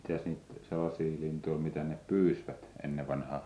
mitäs niitä sellaisia lintuja oli mitä ne pyysivät ennen vanhaan